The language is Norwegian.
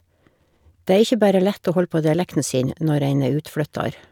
Det er ikke bare lett å holde på dialekten sin når en er utflytter.